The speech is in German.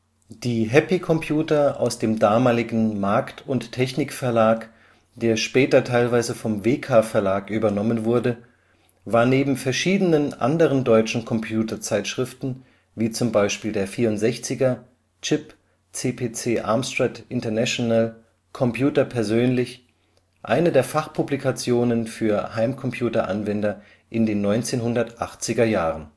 Die Happy Computer aus dem damaligen Markt & Technik Verlag (später teilweise vom WEKA-Verlag übernommen) war neben verschiedenen anderen deutschen Computerzeitschriften (64'er, Chip, CPC Amstrad International, Computer Persönlich) eine der Fachpublikationen für Heimcomputeranwender in den 1980er Jahren